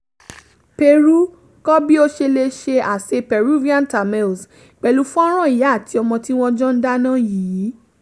Peru - Kọ́ bí o ṣe lè se àsè Peruvian, tamales, pẹ̀lú fọ́nràn ìyá àti ọmọ tí wọ́n jọ ń dáná yìí.